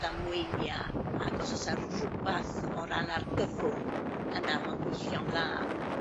ddamweinia' ag os o's 'a rwbath o ran argyfwng yna ma'n gweithio'n dda.